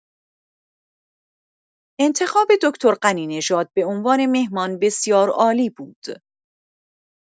انتخاب دکتر غنی‌نژاد بعنوان مهمان، بسیار عالی بود.